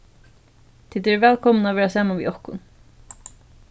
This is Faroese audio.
tit eru vælkomin at vera saman við okkum